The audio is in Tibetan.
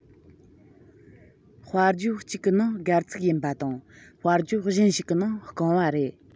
དཔེར བརྗོད གཅིག གི ནང སྒལ ཚིགས ཡིན པ དང དཔེ བརྗོད གཞན ཞིག གི ནང རྐང བ རེད